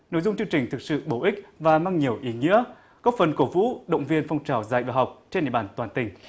nội dung chương trình thực sự bổ ích và mang nhiều ý nghĩa góp phần cổ vũ động viên phong trào dạy và học trong địa bàn toàn tỉnh